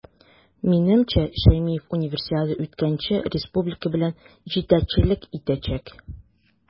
Минемчә, Шәймиев Универсиада үткәнче республика белән җитәкчелек итәчәк.